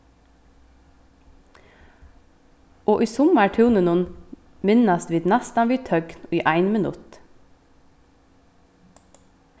og í summartúninum minnast vit næstan við tøgn í ein minutt